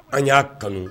An y'a kanu